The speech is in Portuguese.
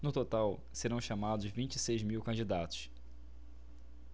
no total serão chamados vinte e seis mil candidatos